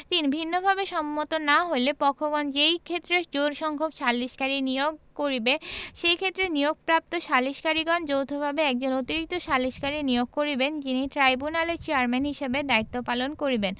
৩ ভিন্নভাবে সম্মত না হইলে পক্ষগণ যেইক্ষেত্রে জোড়সংখ্যক সালিসকারী নিয়েঅগ করিবে সেইক্ষেত্রে নিয়োগপ্রাপ্ত সালিসকারীগণ যৌথভাবে একজন অতিরিক্ত সালিসকারী নিয়োগ করিবেন যিনি ট্রাইব্যুনালের চেয়ারম্যান হিসাবে দায়িত্ব পালন করিবেন